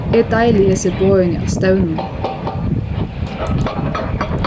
eg deili hesi boðini á stevnuni